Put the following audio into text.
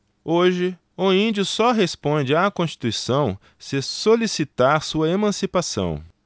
hoje o índio só responde à constituição se solicitar sua emancipação